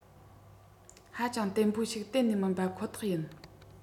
ཧ ཅང བརྟན པོ ཞིག གཏན ནས མིན པ ཁོ ཐག ཡིན